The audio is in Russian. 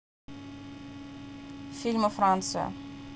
фильмы франция